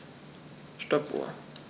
Stoppuhr.